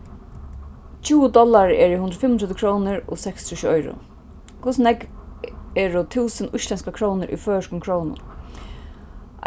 tjúgu dollarar eru hundrað og fimmogtretivu krónur og seksogtrýss oyru hvussu nógv eru túsund íslendskar krónur í føroyskum krónum